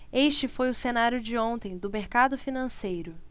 este foi o cenário de ontem do mercado financeiro